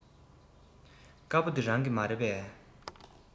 དཀར པོ འདི རང གི མ རེད པས